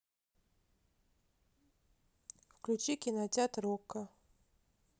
включи кинотеатр окко